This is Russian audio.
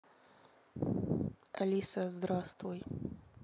алиса здравствуй